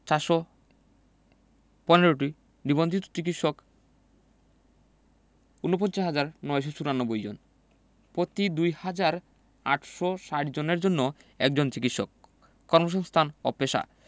৪১৫টি নিবন্ধিত চিকিৎসক ৪৯হাজার ৯৯৪ জন প্রতি ২হাজার ৮৬০ জনের জন্য একজন চিকিৎসক কর্মসংস্থান ও পেশাঃ